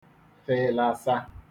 felasa